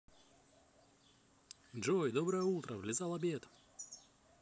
джой доброе утро влезал обед